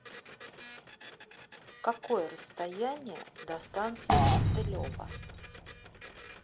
какое расстояние до станции костылево